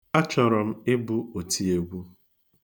Achọrọ m ịbụ otiegwụ